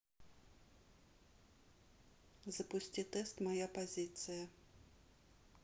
запусти тест моя позиция